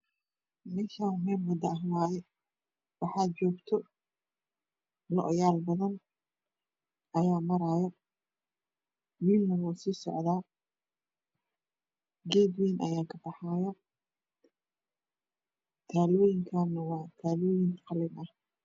Meshan waa mel banan ah oo wado ah waxaa marayo loyal badan iyo will geed wen akabaxyo